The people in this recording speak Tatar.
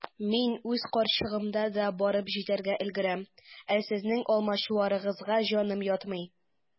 Мин үз карчыгымда да барып җитәргә өлгерәм, ә сезнең алмачуарыгызга җаным ятмый.